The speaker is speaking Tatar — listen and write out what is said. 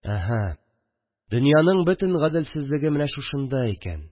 Әһә, дөньяның бөтен гаделсезлеге менә шушында икән